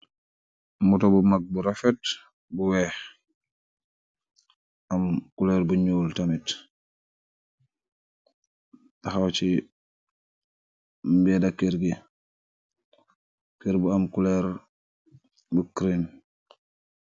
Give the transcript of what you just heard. Moto bu mag bu rafet bu weex am culur bu nuul tamit taxaw ci mbeeda keur gi keur bu am culur bu cream.